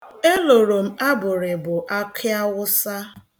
Eloro m abụrịbụ akị awụsa.